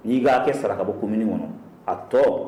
N'i y'i ka hakɛ sara ka bɔ commune kɔnɔ a tɔ.